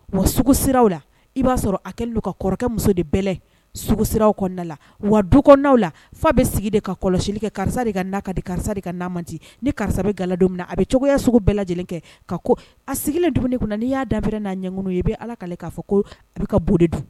Wa sugu siraw la i b'a sɔrɔ a kɛlen ka kɔrɔkɛ muso de bɛ sira kɔnɔna la wa du kɔnɔnaw la fa bɛ sigi de ka kɔlɔsili kɛ karisa de ka na ka di karisa de ka namati ni karisa bɛ ga don min a bɛ cogoyaya sugu bɛɛ lajɛlen kɛ ka ko a sigilen dumuni kɔnɔ n'i y'a da n'a ɲɛ ŋkun ye i bɛ ala'ale k'a fɔ ko a bɛ ka bon de dun